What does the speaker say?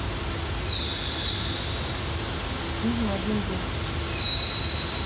фильм один день